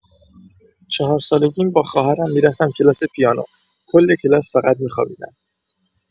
۴ سالگیم با خواهرم می‌رفتم کلاس پیانو، کل کلاس فقط می‌خوابیدم.